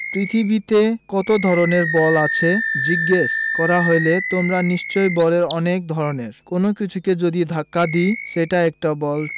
পৃথিবীতে কত ধরনের বল আছে জিজ্ঞেস করা হলে তোমরা নিশ্চয়ই বলবে অনেক ধরনের কোনো কিছুকে যদি ধাক্কা দিই সেটা একটা বল